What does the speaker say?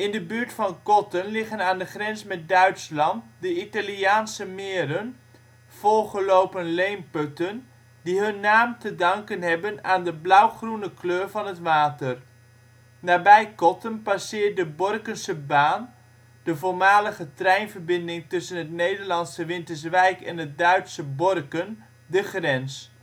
de buurt van Kotten liggen aan de grens met Duitsland, de Italiaanse meren, volgelopen leemputten, die hun naam te danken hebben aan de blauwgroene kleur van het water. Nabij Kotten passeert de Borkense Baan, de voormalige treinverbinding tussen het Nederlandse Winterswijk en het Duitse Borken, de grens